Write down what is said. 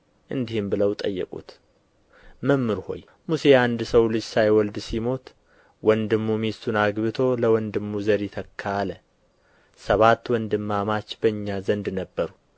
እንዲህም ብለው ጠየቁት መምህር ሆይ ሙሴ አንድ ሰው ልጅ ሳይወልድ ሲሞት ወንድሙ ሚስቱን አግብቶ ለወንድሙ ዘር ይተካ አለ ሰባት ወንድማማች በእኛ ዘንድ ነበሩ